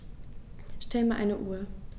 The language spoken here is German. Stell mir eine Uhr.